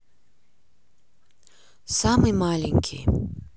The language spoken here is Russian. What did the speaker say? самый маленький